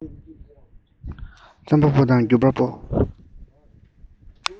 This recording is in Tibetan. རྩོམ པ པོ དང སྒྱུར པ པོ